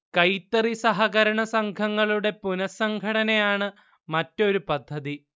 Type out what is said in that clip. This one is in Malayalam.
കൈത്തറി സഹകരണ സംഘങ്ങളുടെ പുനഃസംഘടനയാണ് മറ്റൊരു പദ്ധതി